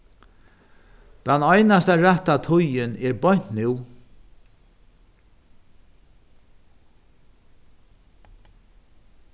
tann einasta rætta tíðin er beint nú